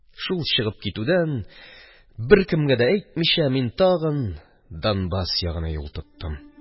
Шул чыгып китүдән, беркемгә дә әйтмичә, мин тагын Донбасс ягына юл тоттым.